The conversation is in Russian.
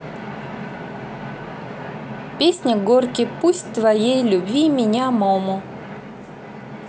песня горки пусть твоей любви меня мому